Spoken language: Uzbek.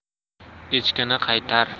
echkini qaytar